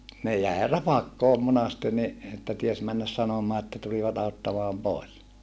ne jäi rapakkoon monasti niin että tiesi mennä sanomaan että tulivat auttamaan pois